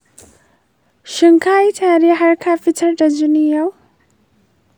shin ka yi tari har ka fitar da jini yau?